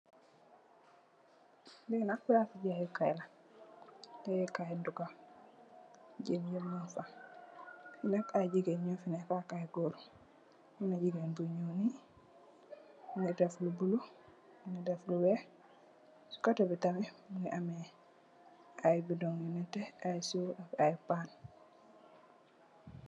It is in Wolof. Li nak palassi jayekai la jayekai nduga jeng yep Mungfa fi nak i gigain nyofi neka ak i gorr amna gigain bu nyow ni Mungi def lu blue Mungi deff lu weih sey koteh bi tamit Mungi ameh i bidon yu neteh i seewo ak i paan .